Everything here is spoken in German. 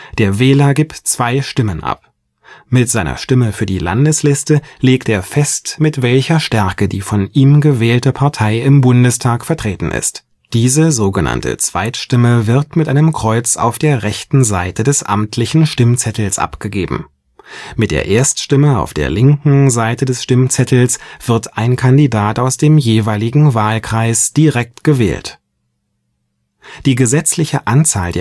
Der Wähler gibt zwei Stimmen ab: Mit seiner Stimme für die Landesliste legt er fest, mit welcher Stärke die von ihm gewählte Partei im Bundestag vertreten ist. Diese so genannte Zweitstimme wird mit einem Kreuz auf der rechten Seite des amtlichen Stimmzettels abgegeben. Mit der Erststimme auf der linken Seite des Stimmzettels wird ein Kandidat aus dem jeweiligen Wahlkreis direkt gewählt. Die gesetzliche Anzahl